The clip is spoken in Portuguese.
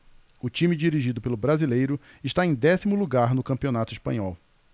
o time dirigido pelo brasileiro está em décimo lugar no campeonato espanhol